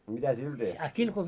a mitä sillä tehtiin